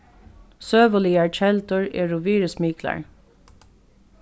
søguligar keldur eru virðismiklar